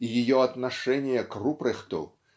И ее отношения к Рупрехту